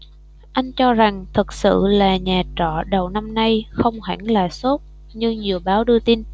anh cho rằng thực sự là nhà trọ đầu năm nay không hẳn là sốt như nhiều báo đưa tin